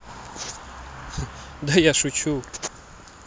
да я шучу